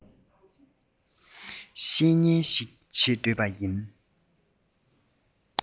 བཤེས གཉེན ཞིག བྱེད འདོད པ ཡིན